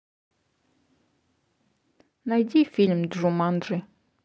найди фильм джуманджи